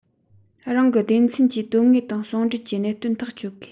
རང གི སྡེ ཚན གྱི དོན དངོས དང ཟུང འབྲེལ གྱིས གནད དོན ཐག གཅོད དགོས